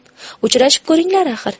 uchrashib ko'ringlar axir